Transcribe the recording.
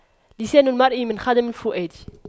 لسان المرء من خدم الفؤاد